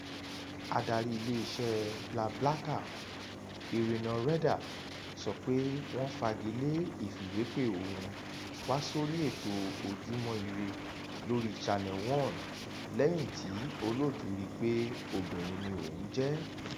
Adarí iléeṣẹ́ BlaBlaCar, Irina Reyder sọ pé wọ́n fagi lé ìfìwépè òun wá sórí ètò Ojúmọ́ Ire lórí Channel One lẹ́yìn tí olóòtú rí i pé obìnrin ni òún jẹ́.